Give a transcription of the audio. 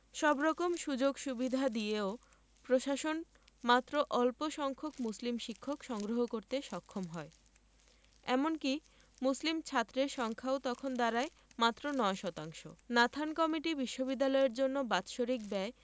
সব রকম সুযোগসুবিধা দিয়েও প্রশাসন মাত্র অল্পসংখ্যক মুসলিম শিক্ষক সংগ্রহ করতে সক্ষম হয় এমনকি মুসলিম ছাত্রের সংখ্যাও তখন দাঁড়ায় মাত্র ৯ শতাংশ নাথান কমিটি বিশ্ববিদ্যালয়ের জন্য বাৎসরিক ব্যয়